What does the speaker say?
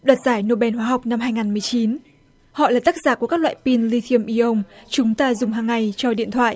đoạt giải nô ben hóa học năm hai ngàn mười chín họ là tác giả của các loại pin li thi um i ông chúng ta dùng hằng ngày cho điện thoại